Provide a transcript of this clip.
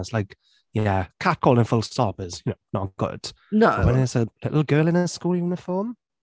And it’s like yeah, cat-calling full stop is, you know, not good... No... But when it’s a little girl in a school uniform?